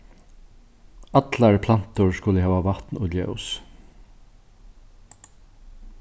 allar plantur skulu hava vatn og ljós